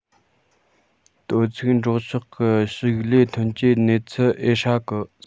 དོ ཚིགས འབྲོག ཕྱོགས གི ཕྱུགས ལས ཐོན སྐྱེད གི གནས ཚུལ ཨེ ཧྲ གི